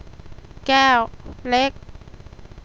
แก้วเล็ก